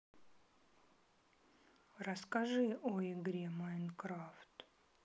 расскажи о игре майнкрафт